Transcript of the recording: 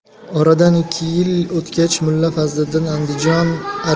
oradan ikki yil o'tgach mulla fazliddin andijon